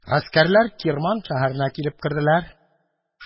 Гаскәрләр Кирман шәһәренә килеп керделәр.